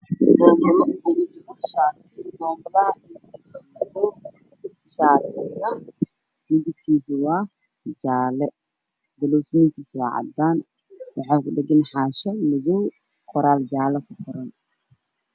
Pambale uu ku jiro saarka midabkiisu waa madow oo ambulaan waa caddaan wuxuuna saaray boom waa miis madowga